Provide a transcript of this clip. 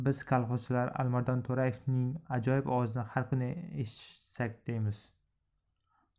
biz kolxozchilar alimardon to'rayevning ajoyib ovozini har kuni eshitsak deymiz